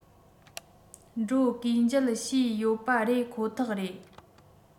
འགྲོ གུས མཇལ ཞུས ཡོད པ རེད ཁོ ཐག རེད